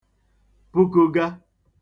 pukuga